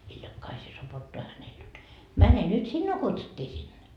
hiljakaiseen sopottaa hänelle jotta mene nyt sinua kutsuttiin sinne